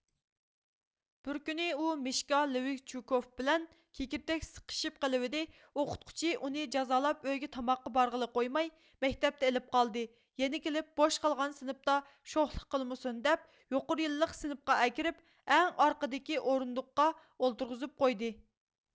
بىر كۈنى ئۇ مىشكا لىۋگچۇكوف بىلەن كېكىردەك سىقىشىپ قېلىۋىدى ئوقۇتقۇچى ئۇنى جازالاپ ئۆيگە تاماققا بارغىلى قويماي مەكتەپتە ئېلىپ قالدى يەنە كېلىپ بوش قالغان سىنىپتا شوخلۇق قىلمىسۇن دەپ يۇقىرى يىللىق سىنىپقا ئەكىرىپ ئەڭ ئارقىدىكى ئورۇندۇققا ئولتۇرغۇزۇپ قويدى